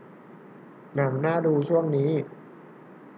หนังน่าดูช่วงนี้